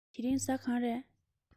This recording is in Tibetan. དེ རིང གཟའ གང རས